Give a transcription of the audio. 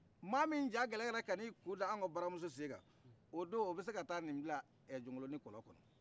ma min jagɛlɛyara kani kunda anw ka baramuso senka o do o bɛse ka taa ni bila jɔnkolni kolon kɔnɔ